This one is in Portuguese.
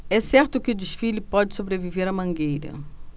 é certo que o desfile pode sobreviver à mangueira